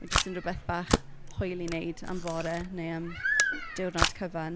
Mae e jyst yn rywbeth bach hwyl i wneud am fore, neu am diwrnod cyfan.